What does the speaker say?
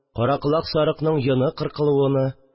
Караколак сарыкның йоны кыркылуыны